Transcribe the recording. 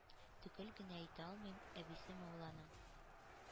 Төгәл генә әйтә алмыйм - әбисеме ул аның,